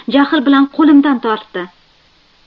jahl bilan qo'limdan tortdi